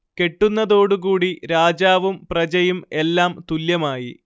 കെട്ടുന്നതോടു കൂടി രാജാവും പ്രജയും എല്ലാം തുല്യമായി